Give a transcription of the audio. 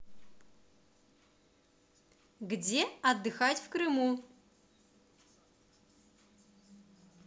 где отдыхать в крыму